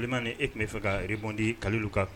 Lima ni e tun bɛ fɛ ka bdi kalilu kan